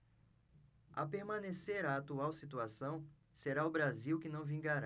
a permanecer a atual situação será o brasil que não vingará